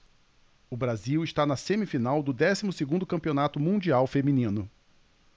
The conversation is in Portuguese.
o brasil está na semifinal do décimo segundo campeonato mundial feminino